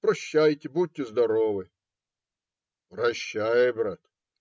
Прощайте, будьте здоровы. - Прощай, брат.